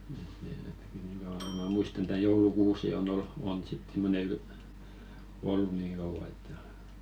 että ne ainakin niin kauan kuin minä muistan tämä joulukuusi on - on sitten semmoinen - ollut niin kauan että